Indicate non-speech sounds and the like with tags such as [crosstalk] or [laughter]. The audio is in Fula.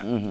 [hesitation] [hesitation]